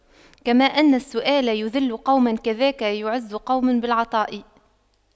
كما أن السؤال يُذِلُّ قوما كذاك يعز قوم بالعطاء